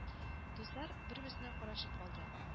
Дуслар бер-берсенә карашып алды